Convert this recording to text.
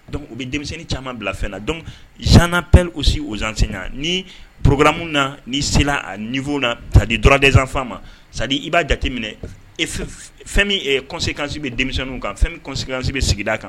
Donc u bɛ denmisɛnnin caaman bila fɛn na donc_ j'en appelle aussi aux enseignants ni programme na ni sela a niveau na c'est à dire droit des enfants _ ma c'est à dire i b'a jate minɛ fɛn min conséquence bɛ denmisɛnninw kan, fɛn min consequence bɛ sigida kan.